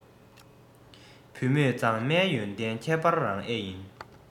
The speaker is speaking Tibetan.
བུད མེད མཛངས མའི ཡོན ཏན ཁྱད པར རང ཨེ ཡིན